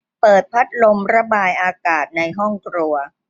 เปิดพัดลมระบายอากาศในห้องครัว